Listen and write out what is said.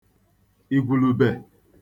ìgwùlùbè